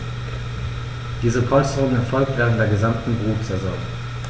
Diese Polsterung erfolgt während der gesamten Brutsaison.